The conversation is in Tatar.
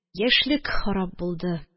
Яшьлек харап булды